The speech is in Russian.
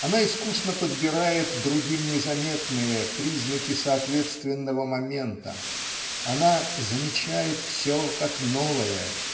Она искусно подбирает другим незаметные признаки соответственного момента она "замечает все как новое"